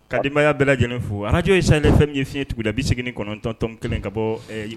Ka denbaya bɛɛ lajɛlen fo . Radio ye Sahel FM ye . Fiɲɛ tuguda 89.1 ka bɔ